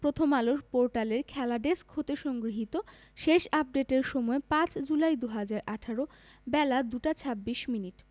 প্রথমআলো পোর্টালের খেলা ডেস্ক হতে সংগৃহীত শেষ আপডেটের সময় ৫ জুলাই ২০১৮ বেলা ২টা ২৬মিনিট